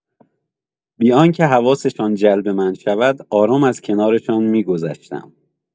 بی‌آنکه حواسشان جلب من شود آرام از کنارشان می‌گذشتم.